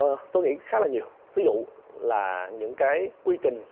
tôi nghĩ khá là nhiều ví dụ là những cái quy trình